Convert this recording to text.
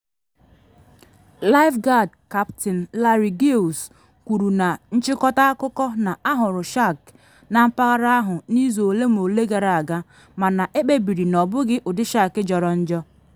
Lifeguard Capt. Larry Giles kwuru na nchịkọta akụkọ na ahụrụ shark na mpaghara ahụ n’izu ole ma ole gara aga, mana ekpebiri na ọ bụghị ụdị shark jọrọ njọ.